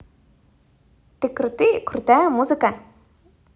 ты крутые крутая музыка